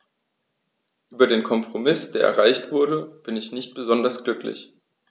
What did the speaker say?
Über den Kompromiss, der erreicht wurde, bin ich nicht besonders glücklich.